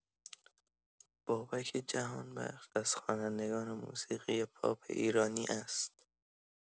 بابک جهانبخش از خوانندگان موسیقی پاپ ایرانی است.